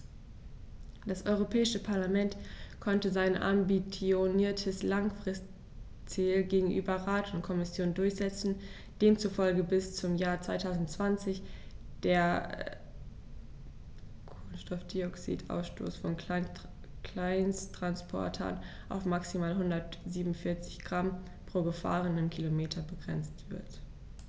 Das Europäische Parlament konnte sein ambitioniertes Langfristziel gegenüber Rat und Kommission durchsetzen, demzufolge bis zum Jahr 2020 der CO2-Ausstoß von Kleinsttransportern auf maximal 147 Gramm pro gefahrenem Kilometer begrenzt wird.